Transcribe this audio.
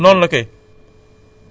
di lu wér